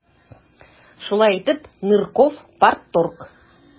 Шулай итеп, Нырков - парторг.